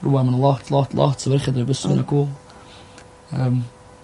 Rŵan ma' lot lot lot o ferched ar y byse ma'n cŵl. Yym.